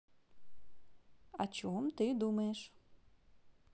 о чем ты думаешь